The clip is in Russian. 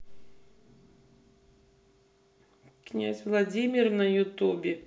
князь владимир на ютубе